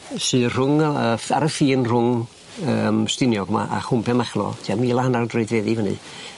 sy rhwng yy f- ar y ffin rhwng yym Stiniog 'ma a chwm Pen Machno tua mil a hannar o droedfeddi i fyny.